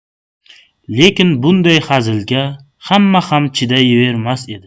lekin bunday hazilga hamma ham chidayvermasdi